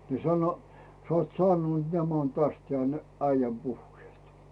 niin sano saat sanoa nämä on tästä jäänyt äijän puheet